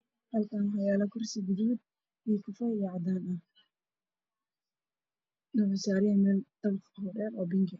Halkan wax yaalo kursi iyo cafee oo cadaan wax saaran yihiin meel dabaq oo dheer